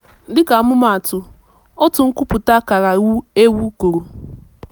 Dịka ọmụmaatụ, otu nkwupụta kara wu ewu kwuru: